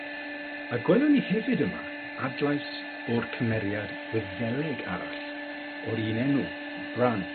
A gwelwn ni hefyd yma adlais o'r cymeriad Wyddeleg arall o'r un enw, Bran.